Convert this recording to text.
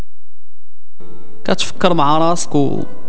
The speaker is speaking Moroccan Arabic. تفكر مع اراسكو